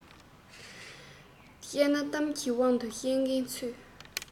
བཤད ན གཏམ གྱི དབང དུ བཤད མཁན ཚུད